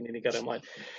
cyn i ni gario mlaen